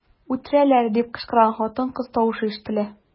"үтерәләр” дип кычкырган хатын-кыз тавышы ишетелә.